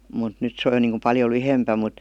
mutta nyt se on jo niin kuin paljon lyhyempi mutta